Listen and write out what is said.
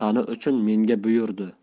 uchun menga buyurdi